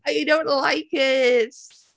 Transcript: I don't like it!